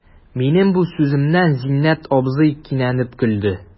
Минем бу сүземнән Зиннәт абзый кинәнеп көлде.